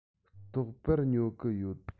རྟག པར ཉོ གི ཡོད